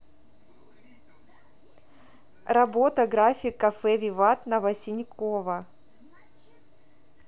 работа график кафе виват новосиньково